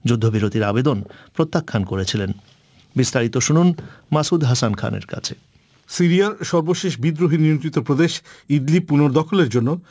যুদ্ধবিরতির আবেদন প্রত্যাখ্যান করেছিলেন বিস্তারিত শুনুন মাসুদ হাসান খান এর কাছে সিরিয়ার সর্বশেষ বিদ্রোহী নিয়ন্ত্রিত প্রদেশ ইদলিব পুনর্দখলের জন্য